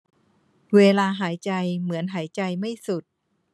เวลาหายใจเหมือนหายใจไม่สุด